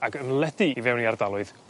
ag ymledu i fewn i ardaloedd